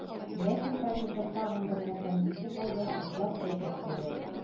Ләкин профессор тагын бер нәрсәне сизеп алды, хуплап әйтеп куйды.